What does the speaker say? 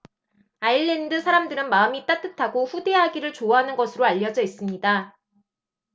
아일랜드 사람들은 마음이 따뜻하고 후대하기를 좋아하는 것으로 알려져 있습니다